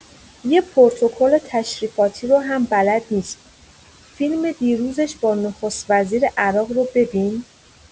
یه پروتکل تشریفاتی رو هم بلد نیست، فیلم دیروزش با نخست‌وزیر عراق رو ببین